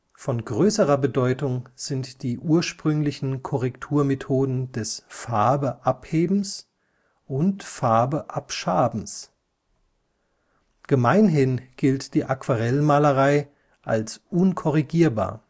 Von größerer Bedeutung sind die ursprünglichen Korrekturmethoden des Farbe-Abhebens und Farbe-Abschabens. Gemeinhin gilt die Aquarellmalerei als unkorrigierbar